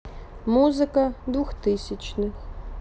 музыка двухтысячных